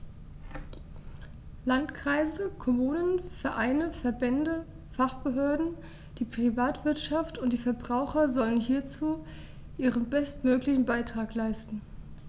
Landkreise, Kommunen, Vereine, Verbände, Fachbehörden, die Privatwirtschaft und die Verbraucher sollen hierzu ihren bestmöglichen Beitrag leisten.